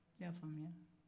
i y'a faamuya